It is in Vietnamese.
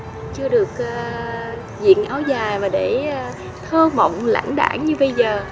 chưa được ơ diện áo dài và để thơ mộng lãng đãng như bây giờ